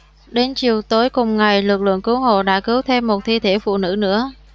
đến chiều tối cùng ngày lực lượng cứu hộ đã cứu thêm một thi thể phụ nữ nữa